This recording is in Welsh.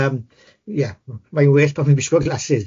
ie mae'n well bo fi'n gwisgo glasses.